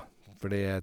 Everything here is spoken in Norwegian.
For det er...